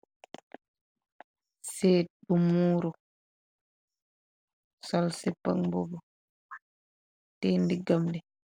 Seet bu muuru, sol sippa ak mbobu teiyi ndiggabi.